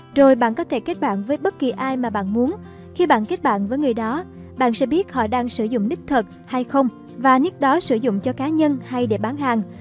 bạn có thể kết bạn với bất kỳ ai mà bạn muốn khi bạn kết bạn với người đó bạn sẽ biết họ đang sử dụng nick thật hay không và nick đó sử dụng cho cá nhân hay để bán hàng